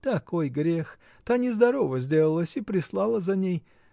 — Такой грех: та нездорова сделалась и прислала за ней.